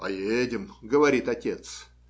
- Поедем, - говорит отец.